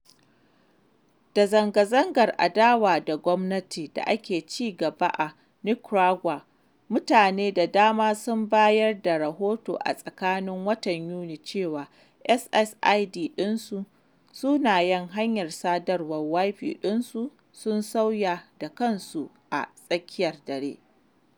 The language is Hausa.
Da zanga-zangar adawa da gwamnati da ke ci gaba a Nicaragua, mutane da dama sun bayar da rahoto a tsakiyar watan Yuni cewa SSID ɗinsu (sunayen hanyar sadarwar Wi-Fi ɗinsu) sun sauya da kansu a tsakiyar dare.